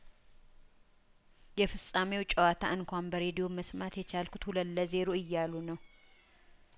የፍጻሜው ጨዋታ እንኳን በሬዲዮ መስማት የቻልኩት ሁለት ለዜሮ እያሉ ነው